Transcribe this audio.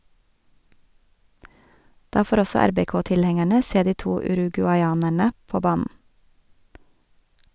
Da får også RBK-tilhengerne se de to uruguayanerne på banen.